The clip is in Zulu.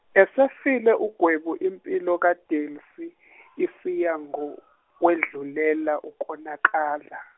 esefile uGwebu impilo kaDelsie isiyangokwedlulela ukonakala.